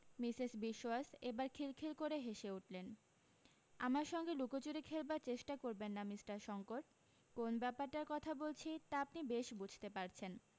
Mrs Biswas এবার খিলখিল করে হেসে উঠলেন আমার সঙ্গে লুকোচুরি খেলবার চেষ্টা করবেন না মিষ্টার শংকর কোন ব্যাপারটার কথা বলছি তা আপনি বেশ বুঝতে পারছেন